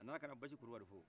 a nana ka na basi kulubali fo